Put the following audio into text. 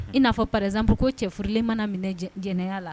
I n'a fɔ par exemple ko cɛ furulen mana minɛ jɛnɛya la.